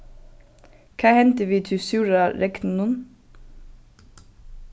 hvat hendi við tí súra regninum